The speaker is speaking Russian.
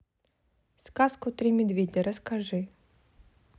сказку три медведя расскажи